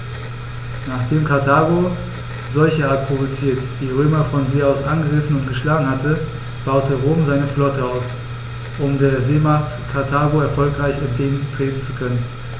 Nachdem Karthago, solcherart provoziert, die Römer von See aus angegriffen und geschlagen hatte, baute Rom seine Flotte aus, um der Seemacht Karthago erfolgreich entgegentreten zu können.